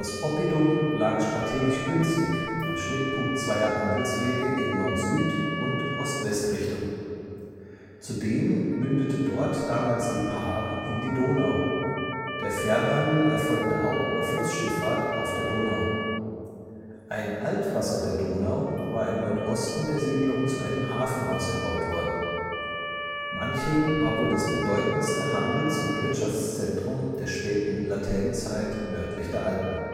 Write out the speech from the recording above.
Oppidum lag strategisch günstig am Schnittpunkt zweier Handelswege in Nord-Süd - und Ost-West-Richtung. Zudem mündete dort damals die Paar in die Donau, der Fernhandel erfolgte auch über Flussschifffahrt auf der Donau. Ein Altwasser der Donau war im Nordosten der Siedlung zu einem Hafen ausgebaut worden. Manching war wohl das bedeutendste Handels - und Wirtschaftszentrum der späten Latènezeit nördlich der Alpen